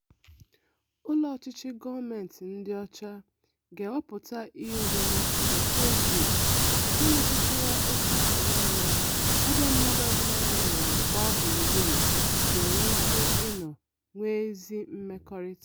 Ụlọ ọchịchị gọọmentị ndị ọcha ga-ewepụta "iheomume" na Fezbuk nke metụtara okwu akpụ n'ọnụ ebe mmadụ ọbụla nọ n'ụwa gbaa gburugburu ga-enwe ike ị nọ nwee ezi mmekọrịta.